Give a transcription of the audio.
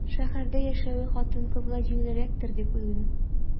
Шәһәрдә яшәве хатын-кызга җиңелрәктер дип уйлыйм.